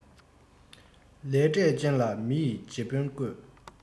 ལས འབྲས ཅན ལ མི ཡིས རྗེ དཔོན བསྐོས